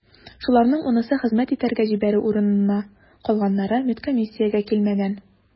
Шуларның унысы хезмәт итәргә җибәрү урынына, калганнары медкомиссиягә килмәгән.